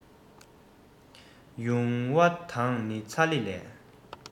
ཡུང བ དང ནི ཚ ལེ ལས